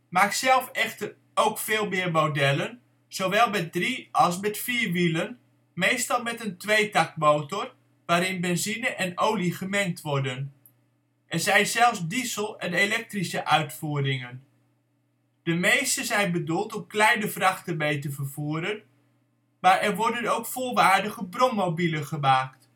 maakt zelf echter ook veel meer modellen, zowel met 3 als met 4 wielen, meestal met een tweetaktmotor waarin benzine en olie gemengd worden. Er zijn zelfs diesel - en elektrische uitvoeringen. De meeste zijn bedoeld om kleine vrachten mee te vervoeren, maar er worden ook volwaardige brommobielen gemaakt